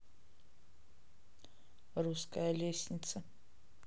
русская лестница